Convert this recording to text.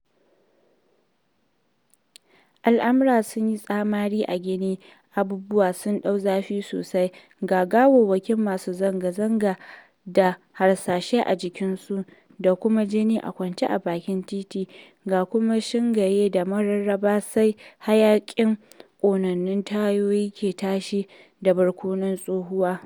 Al'amura sun yi tsamari a Gini, abubuwa sun ɗauki zafi sosai, ga gawawwakin masu zanga-zanga da harsasai a jikinsu da kuma jini a kwance a bakin titina, ga kuma shingaye da mararraba sai hayaƙin ƙonannun tayoyi ke tashi da barkonon tsohuwa.